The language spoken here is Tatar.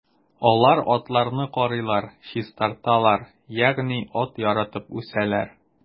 Алар атларны карыйлар, чистарталар, ягъни ат яратып үсәләр.